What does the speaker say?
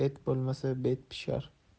et bo'lmasa bet pishar